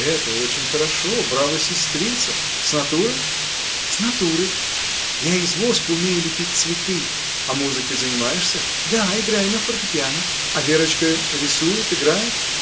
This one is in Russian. — Это очень хорошо — браво, сестрица! с натуры? — С натуры. Я из воску умею лепить цветы! — А музыкой занимаешься? — Да, играю на фортепиано. — А Верочка: рисует, играет?